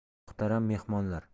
muhtaram mehmonlar